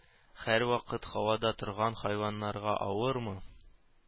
Һәрвакыт һавада торган хайваннарга авырмы?